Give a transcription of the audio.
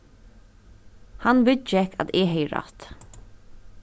hann viðgekk at eg hevði rætt